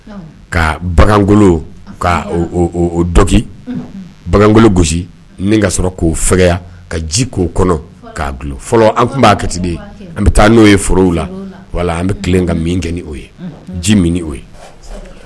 Ka bagangolo ka bagangolo gosi ka sɔrɔ k'o fɛya ka ji k'o kɔnɔ k' an tun'a kɛ an bɛ taa n'o ye foro la wala an bɛ tilen ka min kɛ ni' ye ji min' ye